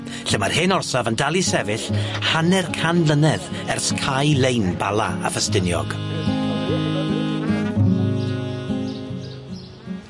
Lle ma'r hen orsaf yn dal i sefyll hanner can mlynedd ers cae lein Bala a Ffestiniog.